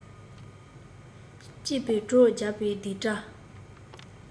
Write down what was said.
སྐྱིད པོའི བྲོ རྒྱག པའི རྡིག སྒྲ